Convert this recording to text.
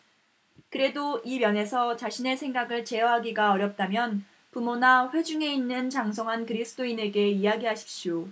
그래도 이 면에서 자신의 생각을 제어하기가 어렵다면 부모나 회중에 있는 장성한 그리스도인에게 이야기하십시오